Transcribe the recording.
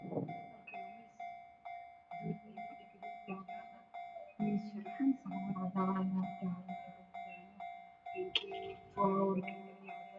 Waa miis waxaa saaran qudaar raashin